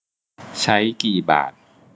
ใช้กี่บาท